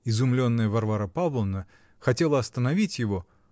Изумленная Варвара Павловна хотела остановить его